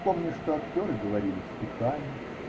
Помню, что актеры говорили стихами.